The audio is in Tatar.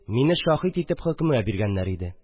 Мине шаһид итеп хөкемгә биргәннәр иде